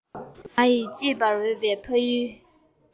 ང ཡི གཅེས པར འོས པའི ཕ ཡུལ